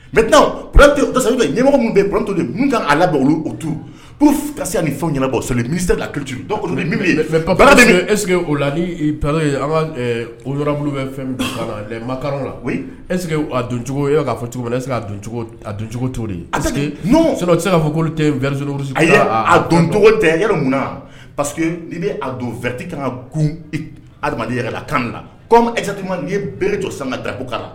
Mɛ ɲɛmɔgɔ min bɛ pto de mina labɛn olu otu ka ni fɛn ɲɛnabɔ so mi se la ki e o la ni o yɔrɔ bɛ fɛn la doncogo'a fɔ cogocogo to pa e' olu tɛ doncogo tɛ yɛrɛ munnaseke ni bɛ a don vɛrɛti ka ka g adamadenya la kan la esati' ye bere jɔ san dkala la